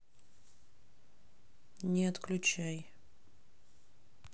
не отключай